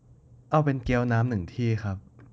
เอาเป็นเกี๊ยวน้ำหนึ่งที่ครับ